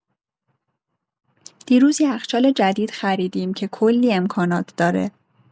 دیروز یه یخچال جدید خریدیم که کلی امکانات داره.